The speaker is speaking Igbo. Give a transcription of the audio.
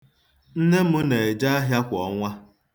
Nne m na-eje ahịa kwa ọnwa.